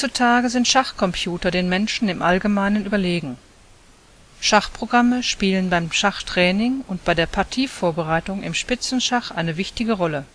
sind Schachcomputer den Menschen im Allgemeinen überlegen. Schachprogramme spielen beim Schachtraining und bei der Partievorbereitung im Spitzenschach eine wichtige Rolle